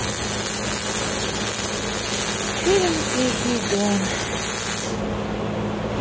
фильм тихий дон